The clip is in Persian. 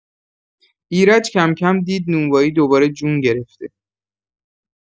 ایرج کم‌کم دید نونوایی دوباره جون گرفته.